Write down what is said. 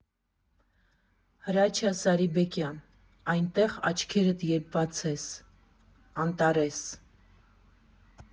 Հրաչյա Սարիբեկյան «Այնտեղ աչքերդ երբ բացես», ԱՆՏԱՐԵՍ։